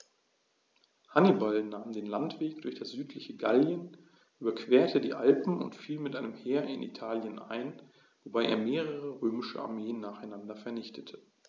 Hannibal nahm den Landweg durch das südliche Gallien, überquerte die Alpen und fiel mit einem Heer in Italien ein, wobei er mehrere römische Armeen nacheinander vernichtete.